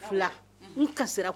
Fila n kasira